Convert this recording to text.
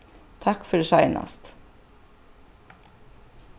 takk fyri seinast